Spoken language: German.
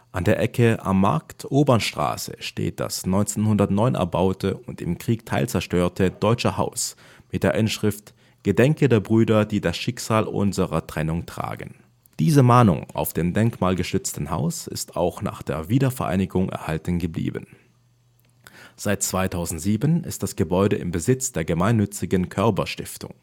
An der Ecke Am Markt/Obernstraße steht das 1909 erbaute und im Krieg teilzerstörte Deutsche Haus mit der Inschrift Gedenke der Brüder, die das Schicksal unserer Trennung tragen. Diese Mahnung auf dem denkmalgeschützten Haus ist auch nach der Wiedervereinigung erhalten geblieben. Seit 2007 ist das Gebäude im Besitz der gemeinnützigen Körber-Stiftung